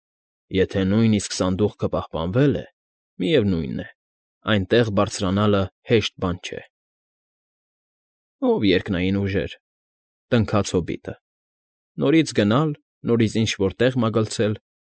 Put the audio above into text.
Եթե նույնիսկ սանդուղքը պահպանվել է, միևնույն է, այնտեղ բարձրանալը հեշտ բան չէ։ ֊ Ով երկնային ուժեր,֊ տնքաց հոբիտը։֊ Նորից գնալ, նորից ինչ֊որ տեղ մագլցել,